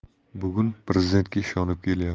bugun prezidentga ishonib